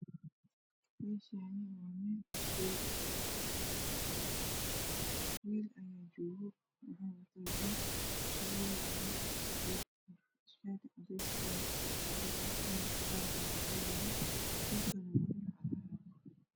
Meeshani waa meel hool ah waxaa yaalo mishiin wayn ah jawano cad cad ah ayaa yaalo waxa kamuqdo